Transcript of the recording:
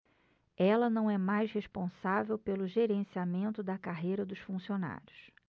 ela não é mais responsável pelo gerenciamento da carreira dos funcionários